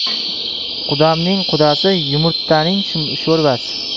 qudamning qudasi yumurtaning sho'rvasi